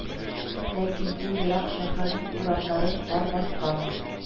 Ләкин бу ерак шәһәрнең урамнарын кар баскан